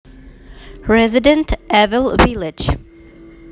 resident evil village